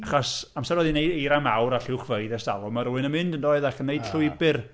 Achos amser oedd hi'n wneud eira mawr a lluwchfeydd ers talwm mae rhywun yn mynd yn doedd ac yn wneud llwybr.